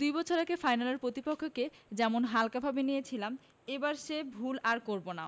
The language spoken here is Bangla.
দুই বছর আগে ফাইনালের প্রতিপক্ষকে যেমন হালকাভাবে নিয়েছিলাম এবার সে ভুল আর করব না